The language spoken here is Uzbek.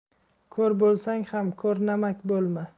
ko'r bo'lsang ham ko'mamak bo'lma